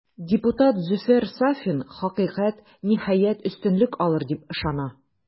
Депутат Зөфәр Сафин, хакыйкать, ниһаять, өстенлек алыр, дип ышана.